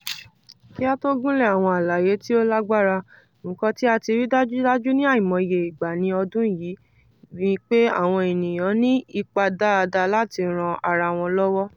Kí á tó gùnlé àwọn àlàyé tí ó lágbára, nǹkan tí a ti rí dájúdájú ní àìmọye ìgbà ní ọdún yìí ni pé àwọn ènìyàn ní ipá daada láti ran ara wọn lọ́wọ́.